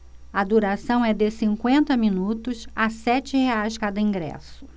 a duração é de cinquenta minutos a sete reais cada ingresso